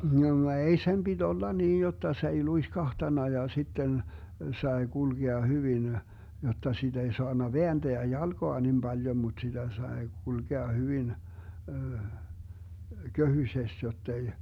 no ei sen piti olla niin jotta se ei luiskahtanut ja sitten sai kulkea hyvin jotta sitä ei saanut vääntää jalkaa niin paljon mutta sitä sai kulkea hyvin köhyisesti jotta ei